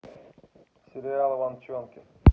сериал иван чонкин